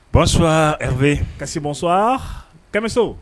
Bonsoir RV Kassi bonsoir Kamisso